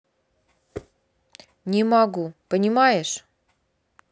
не могу понимаешь